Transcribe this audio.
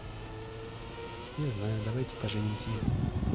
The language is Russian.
я знаю давайте поженимся